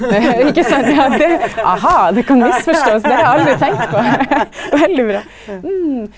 ikkje sant ja det aha det kan misforståast, det har eg aldri tenkt på veldig bra .